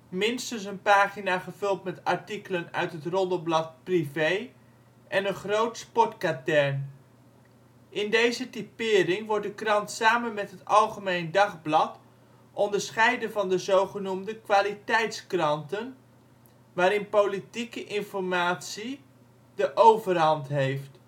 minstens een pagina gevuld met artikelen uit het roddelblad Privé en een groot sportkatern. In deze typering wordt de krant samen met het Algemeen Dagblad onderscheiden van de zogenoemde ' kwaliteitskranten ', waarin ' (politieke) informatie '(" kwaliteit ") de overhand heeft